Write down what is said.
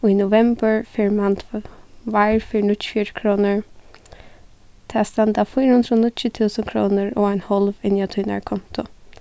í novembur fær mann fyri níggjuogfjøruti krónur tað standa fýra hundrað og níggju túsund krónur og ein hálv inni á tínari konto